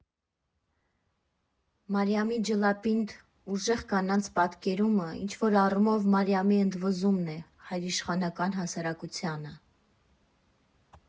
Մարիամի ջլապինդ, ուժեղ կանանց պատկերումը ինչ֊որ առումով Մարիամի ընդվզումն է հայրիշխանական հասարակությանը.